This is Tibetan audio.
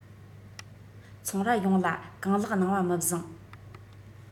ཚོང རྭ ཡོངས ལ གང ལེགས གནང བ མི བཟང